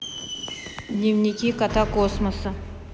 дневники кота космоса